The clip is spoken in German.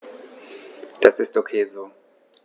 Das ist ok so.